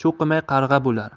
cho'qimay qarg'a bo'lar